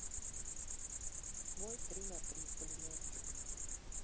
бой три на три пулеметчик